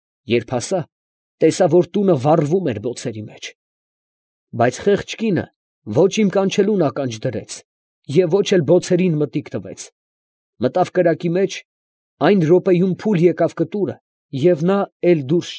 Երբ հասա, տեսա, տունը վառվում էր բոցերի մեջ. բայց խեղճ կինը ոչ իմ կանչելուն ականջ դրեց, և ոչ էլ բոցերին մտիկ տվեց, մտավ կրակի մեջ. այն րոպեում փուլ եկավ կտուրը, և նա էլ դուրս։